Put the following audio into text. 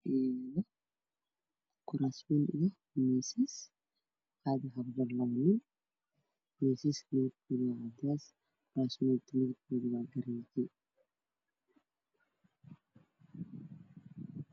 Waxaa yaallo kuraas iyo miisas kuraasta waxaa ku fadhiya laba nin wuxuu horyaalo miis u saaran yahay iyo cafi mad ah